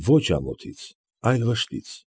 Ո՛չ ամոթից, այլ վշտից։